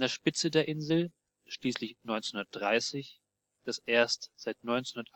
Spitze der Insel, schließlich 1930 das erst seit 1958